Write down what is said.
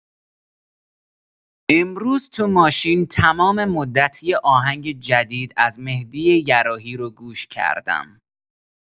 امروز تو ماشین تمام مدت یه آهنگ جدید از مهدی یراحی رو گوش کردم.